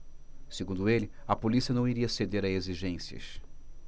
segundo ele a polícia não iria ceder a exigências